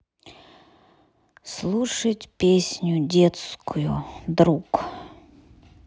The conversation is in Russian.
слушать песню детскую друг